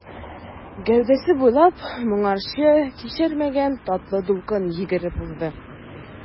Гәүдәсе буйлап моңарчы кичермәгән татлы дулкын йөгереп узды.